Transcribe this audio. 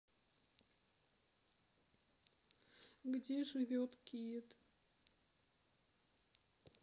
где живет кит